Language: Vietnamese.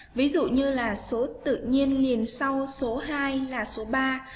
ví dụ như là số tự nhiên liền sau số là số